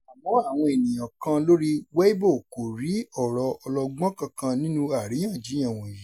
Àmọ́ àwọn ènìyàn kan lórí Weibo kò rí ọ̀rọ̀ ọlọgbọ́n kankan nínú àríyànjiyàn wọ̀nyí.